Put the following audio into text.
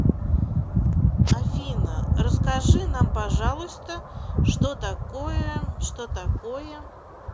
афина расскажи нам пожалуйста что такое что такое